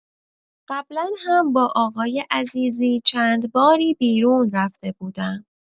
قبلا هم با آقای عزیزی چند باری بیرون رفته بودم.